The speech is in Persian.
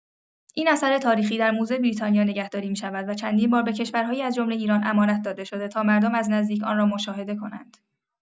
این اثر تاریخی در موزه بریتانیا نگهداری می‌شود و چندین بار به کشورهایی از جمله ایران امانت‌داده شده تا مردم از نزدیک آن را مشاهده کنند.